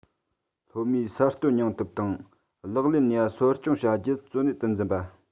སློབ མའི གསར གཏོད སྙིང སྟོབས དང ལག ལེན ནུས པ གསོ སྐྱོང བྱ རྒྱུ གཙོ གནད དུ འཛིན པ